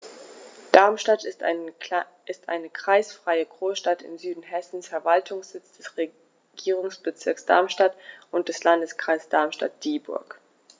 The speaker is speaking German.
Darmstadt ist eine kreisfreie Großstadt im Süden Hessens, Verwaltungssitz des Regierungsbezirks Darmstadt und des Landkreises Darmstadt-Dieburg.